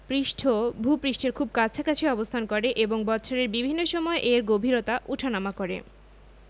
পৃষ্ঠ ভূ পৃষ্ঠের খুব কাছাকাছি অবস্থান করে এবং বৎসরের বিভিন্ন সময় এর গভীরতা উঠানামা করে